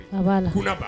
A b'a la